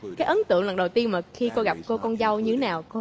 cái ấn tượng lần đầu tiên mà khi cô gặp cô con dâu như thế nào cô